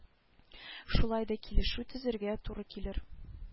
Шулай да килешү төзәргә туры килер